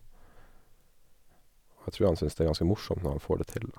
Og jeg tror han synes det er ganske morsomt når han får det til, da.